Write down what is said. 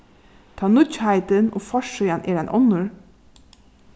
tá nýggjheitin og forsíðan er ein onnur